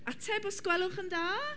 Ateb os gwelwch yn dda.